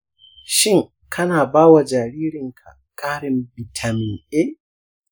shin kana ba wa jaririnka ƙarin bitamin a?